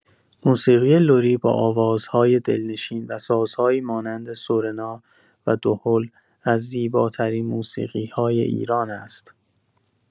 موسیقی لری با آوازهای دلنشین و سازهایی مانند سرنا و دهل، از زیباترین موسیقی‌‌های ایران است.